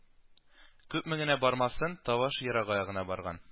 Күпме генә бармасын, тавыш ерагая гына барган